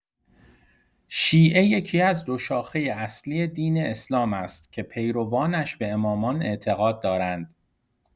شیعه یکی‌از دو شاخه اصلی دین اسلام است که پیروانش به امامان اعتقاد دارند.